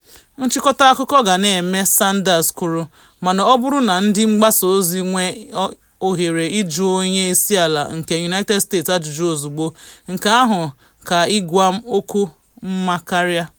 Nchịkọta akụkọ ga na eme, Sanders kwuru, mana “ọ bụrụ na ndị mgbasa ozi nwee ohere ịjụ onye isi ala nke United States ajụjụ ozugbo, nke ahụ ka ịgwa m okwu mma karịa.